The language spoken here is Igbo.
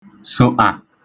sòṫà